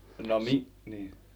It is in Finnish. no - niin